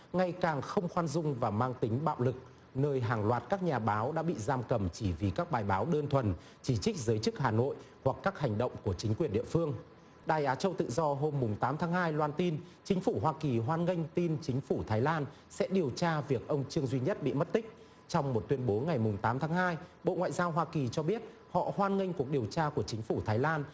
ngày càng không khoan dung và mang tính bạo lực nơi hàng loạt các nhà báo đã bị giam cầm chỉ vì các bài báo đơn thuần chỉ trích giới chức hà nội hoặc các hành động của chính quyền địa phương đài á châu tự do hôm mùng tám tháng hai loan tin chính phủ hoa kỳ hoan nghênh tin chính phủ thái lan sẽ điều tra việc ông trương duy nhất bị mất tích trong một tuyên bố ngày mùng tám tháng hai bộ ngoại giao hoa kỳ cho biết họ hoan nghênh cuộc điều tra của chính phủ thái lan